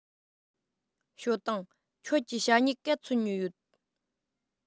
ཞའོ ཏུང ཁྱོད ཀྱིས ཞྭ སྨྱུག ག ཚོད ཉོས ཡོད